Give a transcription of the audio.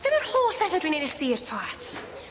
Be' am yr holl pethe dwi'n neud i chdi y twat?